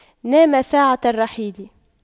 نام ساعة الرحيل